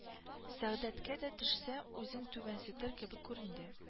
Сәгъдәткә дә төшсә үзен түбәнсетер кебек күренде